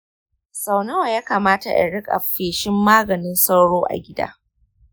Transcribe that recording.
sau nawa ya kamata in riƙa feshin maganin sauro a gida?